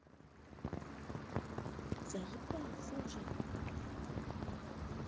заебал хуже